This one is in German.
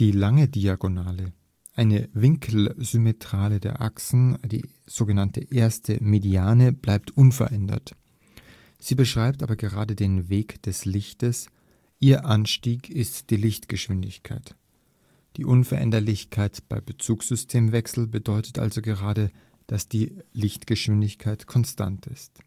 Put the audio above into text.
lange Diagonale (eine Winkelsymmetrale der Achsen, die sog. 1. Mediane) bleibt unverändert. Sie beschreibt aber gerade den Weg des Lichtes, ihr Anstieg ist die Lichtgeschwindigkeit. Die Unveränderlichkeit bei Bezugssystemwechsel bedeutet also gerade, dass die Lichtgeschwindigkeit konstant ist